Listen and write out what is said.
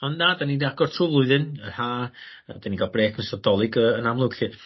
Ond na 'dan ni'n agor trw flwyddyn. Yr Ha a 'dyn ni'n ga'l brêc yn ystod dolig yy yn amlwg 'lly